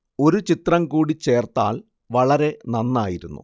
ഒരു ചിത്രം കൂടി ചേർത്താൽ വളരെ നന്നായിരുന്നു